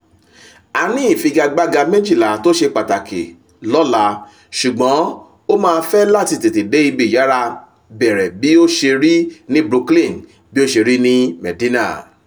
"A ní ìfigagbága 12 tó ṣe pàtàkì lóla, ṣùgbọ́n o máa fẹ́ láti tètè dé ibi ìyára bẹ̀rẹ̀ bí i ọ ṣe rí i ní Brookline, bí o ṣe rí i ní Medinah.